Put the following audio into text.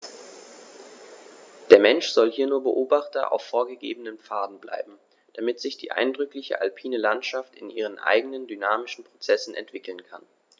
Der Mensch soll hier nur Beobachter auf vorgegebenen Pfaden bleiben, damit sich die eindrückliche alpine Landschaft in ihren eigenen dynamischen Prozessen entwickeln kann.